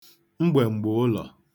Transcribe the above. mgbèm̀gbè ụlọ̀